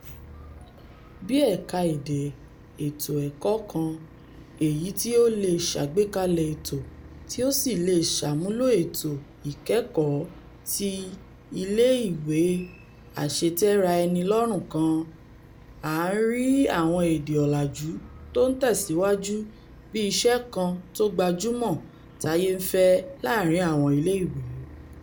Bí ẹ̀ka ètò ẹ̀kọ́ kan èyití ó leè ṣàgbékalẹ̀ ètò tí ó sì leè ṣàmúlò ètò ìkẹkọ̀ọ́ ti ilé ìwé àṣetẹ́ra-ẹnilọ́rùn kan, a ńrí àwọn èdè ọ̀làjù tó ńtẹ̀síwájú bí iṣẹ́ kan tógbajúmọ̀ táyé-ńfẹ́ láàrin àwọn ilé ìwé.